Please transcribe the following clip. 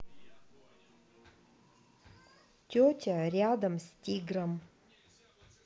тетя рядом с тигром